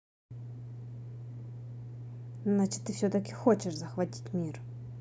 значит ты все таки хочешь захватить мир